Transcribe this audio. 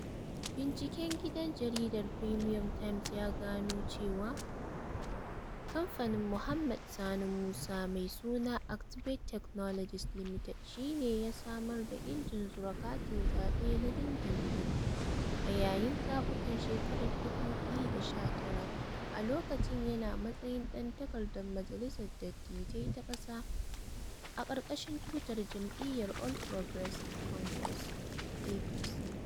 Binciken gidan jaridar Premium Times ya gano cewa kamfanin Mohammed Sani Musa mai suna Actiɓate Technologies Limited shi ne ya samar da injin zura katin zaɓe na din-din-din a yayin zaɓuɓɓukan shekarar 2019, a lokacin yana matsayin ɗan takarar majalisar dattijai ta ƙasa a ƙarƙashin tutar jam'iyyar All Progressiɓe Congress (APC).